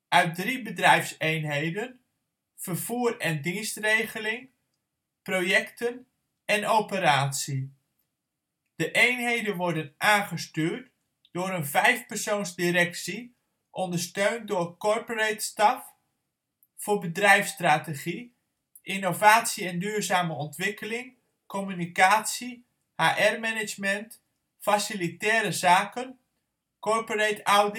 uit drie bedrijfseenheden Vervoer en Dienstregeling, Projecten en Operatie. De eenheden worden aangestuurd door een 5-persoons Directie, ondersteund door Corporate Staf voor bedrijfsstrategie, innovatie & duurzame ontwikkeling, communicatie, HR-management, facilitaire zaken, corporate